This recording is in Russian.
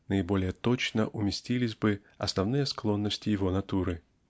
наиболее точно уместились бы основные склонности его натуры.